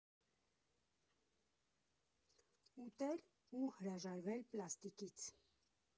Ուտել ու հրաժարվել պլաստիկից։